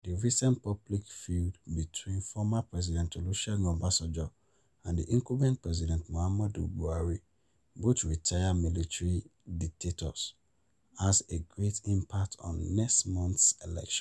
The recent public feud between former President Olusegun Obasanjo and the incumbent President Muhammadu Buhari — both retired military dictators — has a great impact on next month's elections.